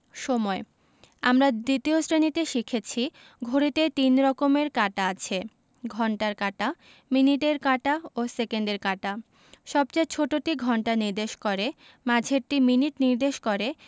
সময়ঃ আমরা ২য় শ্রেণিতে শিখেছি ঘড়িতে ৩ রকমের কাঁটা আছে ঘণ্টার কাঁটা মিনিটের কাঁটা ও সেকেন্ডের কাঁটা সবচেয়ে ছোটটি ঘন্টা নির্দেশ করে মাঝারটি মিনিট নির্দেশ করে